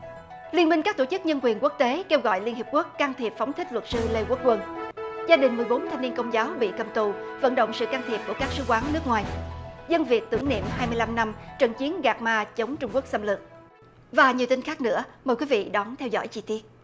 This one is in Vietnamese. liên minh các tổ chức nhân quyền quốc tế kêu gọi liên hiệp quốc can thiệp phóng thích luật sư lê quốc quân gia đình với bốn thanh niên công giáo bị cầm tù vận động sự can thiệp của các sứ quán nước ngoài dân việt tưởng niệm hai mươi lăm năm trận chiến gạc ma chống trung quốc xâm lược và nhiều tên khác nữa mời quý vị đón theo dõi chi tiết